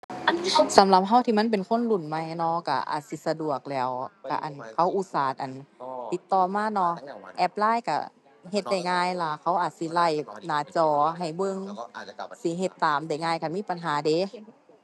สำหรับเราที่มันเป็นคนรุ่นใหม่เนาะ เราอาจสิสะดวกแหล้ว เรา อั่น เขาอุตส่าห์ อั่น ติดต่อมาเนาะ แอป LINE เราเฮ็ดได้ง่ายล่ะ เขาอาจสิไลฟ์หน้าจอให้เบิ่งสิเฮ็ดตามได้ง่าย คันมีปัญหาเดะ